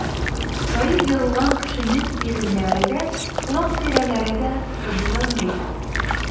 Таеп егылган кешенең иреннәре дә, колак тирәләре дә сыдырылмый.